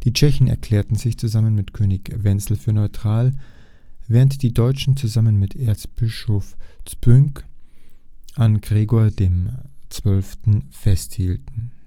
Tschechen erklärten sich zusammen mit König Wenzel für neutral, während die Deutschen zusammen mit Erzbischof Zbyněk an Gregor XII. festhielten